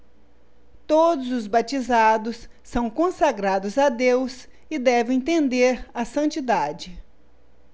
todos os batizados são consagrados a deus e devem tender à santidade